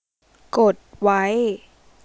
กดไว้